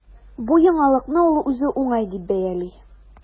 Бу яңалыкны ул үзе уңай дип бәяли.